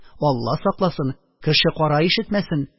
Алла сакласын, кеше-кара ишетмәсен,